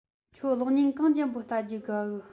ཁྱོད གློག བརྙན གང ཅན པོ བལྟ རྒྱུའོ དགའ གི